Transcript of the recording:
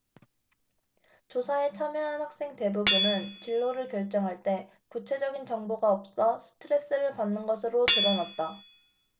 조사에 참여한 학생 대부분은 진로를 결정할 때 구체적인 정보가 없어 스트레스를 받는 것으로 드러났다